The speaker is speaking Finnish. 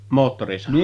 Moottorisaha